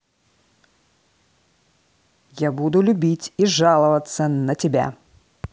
я буду любить и жаловаться на тебя